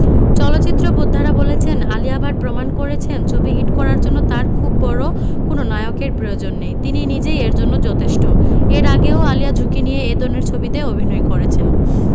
চলচ্চিত্র বোদ্ধারা বলছেন আলিয়া ভাট প্রমাণ করেছেন ছবি হিট করার জন্য তার খুব বড় কোনো নায়কের প্রয়োজন নেই তিনি নিজেই এর জন্য যতেষ্ট এর আগেও আলিয়া ঝুঁকি নিয়ে এ ধরনের ছবিতে অভিনয় করেছেন